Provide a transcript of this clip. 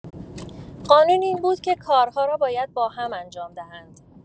قانون این بود که کارها را باید باهم انجام دهند.